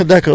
taxaw